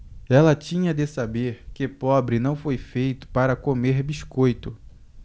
ela tinha de saber que pobre não foi feito para comer biscoito